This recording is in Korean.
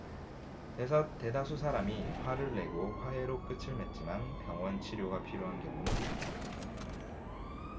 대다수 사람이 화를 내고 화해로 끝을 맺지만 병원 치료가 필요한 경우는 있다